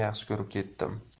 yaxshi ko'rib ketdim